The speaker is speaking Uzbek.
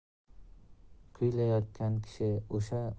kuylayotgan kishi o'sha